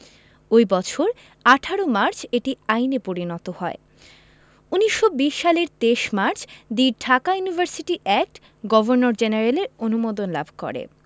ওই বছর ১৮ মার্চ এটি আইনে পরিণত হয় ১৯২০ সালের ২৩ March the Dhaka University Act governor জেনারেলের অনুমোদন লাভ করে